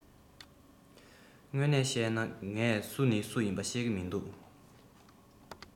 ངོ མ གཤས ན ངས སུ ནི སུ ཡིན པ ཤེས གི མི འདུག